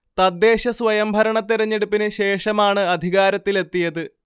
തദ്ദേശ സ്വയംഭരണ തെരഞ്ഞെടുപ്പിനു ശേഷമാണ് അധികാരത്തിലെത്തിയത്